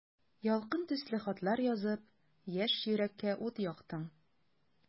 Ялкын төсле хатлар язып, яшь йөрәккә ут яктың.